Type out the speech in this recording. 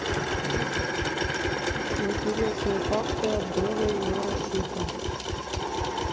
интересные факты от друга егора шипа